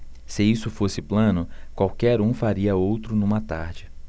se isso fosse plano qualquer um faria outro numa tarde